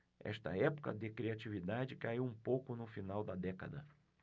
esta época de criatividade caiu um pouco no final da década